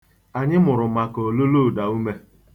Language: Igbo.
Anyị mụrụ maka olulo ụdaume.